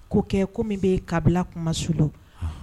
Ko kɛ ko min bɛ kabila kuma suulu